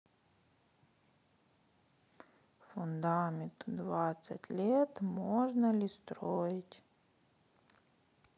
фундаменту двадцать лет можно ли строить